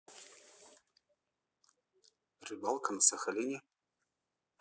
рыбалка на сахалине